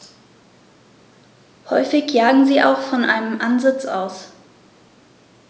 Häufig jagen sie auch von einem Ansitz aus.